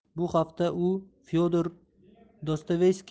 bu hafta u fyodor dostoyevskiyning jinoyat